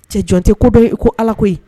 Cɛ jɔn tɛ ko dɔn i ko Ala koyi